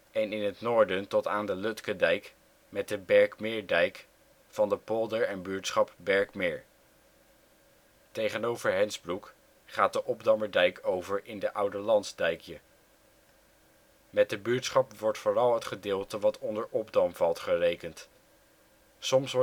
en in het noorden tot aan de Lutkedijk met de Berkmeerdijk, van de polder en buurtschap Berkmeer. Tegenover Hensbroek gaat de Obdammerdijk over in de Oudelandsdijkje. Met de buurtschap wordt vooral het gedeelte wat onder Obdam valt gerekend. Soms